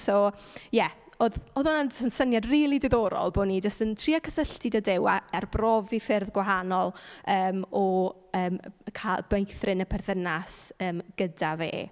So ie. Oedd oedd hwnna'n jyst yn syniad rili diddorol bo' ni jyst yn trio cysylltu 'da Duw a arbrofi ffyrdd gwahanol yym o yym ca- beithrin y perthynas yym gyda fe.